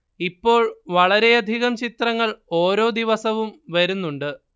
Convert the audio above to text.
ഇപ്പോൾ വളരെയധികം ചിത്രങ്ങൾ ഓരോ ദിവസവും വരുന്നുണ്ട്